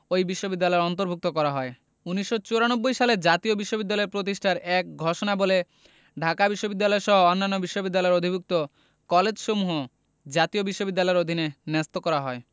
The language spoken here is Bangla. ওই বিশ্ববিদ্যালয়ের অন্তর্ভুক্ত করা হয় ১৯৯৪ সালে জাতীয় বিশ্ববিদ্যালয় প্রতিষ্ঠার এক ঘোষণাবলে ঢাকা বিশ্ববিদ্যালয়সহ অন্যান্য বিশ্ববিদ্যালয়ের অধিভুক্ত কলেজসমূহ জাতীয় বিশ্ববিদ্যালয়ের অধীনে ন্যস্ত করা হয়